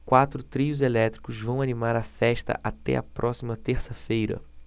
quatro trios elétricos vão animar a festa até a próxima terça-feira